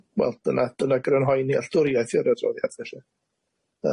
m- m- m- wel dyna dyna grynhoi'n nealldwriaeth i o'r adroddiad felly.